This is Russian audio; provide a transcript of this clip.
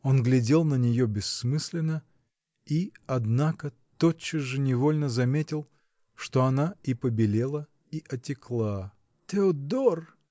Он глядел на нее бессмысленно и, однако, тотчас же невольно заметил, что она и побелела и отекла. -- Теодор!